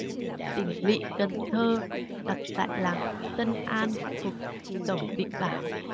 tỉnh lỵ cần thơ đặt tại làng tân an thuộc tổng định bảo